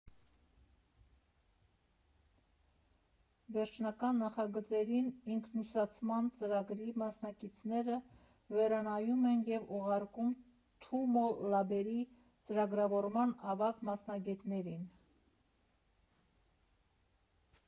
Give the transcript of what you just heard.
Վերջնական նախագծերն ինքնուսուցման ծրագրի մասնակիցները վերանայում են և ուղարկում Թումո լաբերի ծրագրավորման ավագ մասնագետներին։